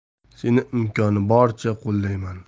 seni imkoni boricha qo'llayman